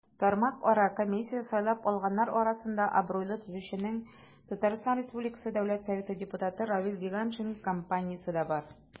Тармакара комиссия сайлап алганнар арасында абруйлы төзүченең, ТР Дәүләт Советы депутаты Равил Зиганшин компаниясе дә бар.